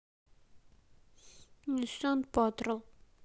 ниссан патрол